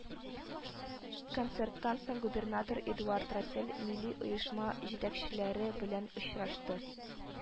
Концерттан соң губернатор Эдуард Россель милли оешма җитәкчеләре белән очрашты